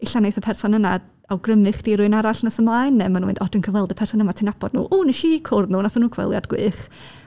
ella wneith y person yna awgrymu chdi i rywun arall nes ymlaen, neu ma' nhw'n mynd "O, dwi'n cyfweld y person yma, ti'n nabod nhw?", "W, wnes i cwrdd nhw. Wnaethon nhw gyfweliad gwych."